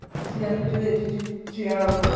Ti'n dallt be dwi'n deud? Dw- dw- dwi'n trio...